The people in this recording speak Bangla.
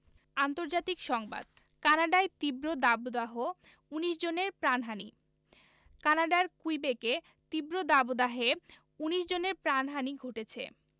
আন্তর্জাতিক সংবাদ কানাডায় তীব্র দাবদাহ ১৯ জনের প্রাণহানি কানাডার কুইবেকে তীব্র দাবদাহে ১৯ জনের প্রাণহানি ঘটেছে